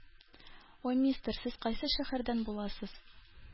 О, мистер, сез кайсы шәһәрдән буласыз?